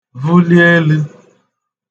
vəli elə̄